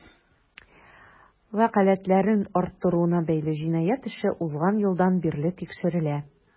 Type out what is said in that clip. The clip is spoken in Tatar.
Вәкаләтләрен арттыруына бәйле җинаять эше узган елдан бирле тикшерелә.